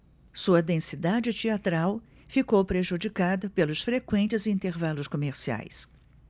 sua densidade teatral ficou prejudicada pelos frequentes intervalos comerciais